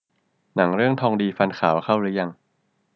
หนังเรื่องทองดีฟันขาวเข้ารึยัง